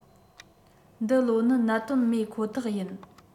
འདི ལོ ནི གནད དོན མེད ཁོ ཐག ཡིན